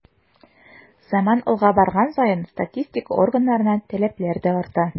Заман алга барган саен статистика органнарына таләпләр дә арта.